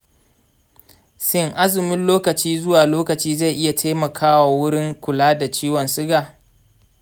sin azumin lokaci zuwa lokaci zai iya taimakawa wurin kula da ciwon siga?